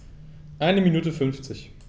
Eine Minute 50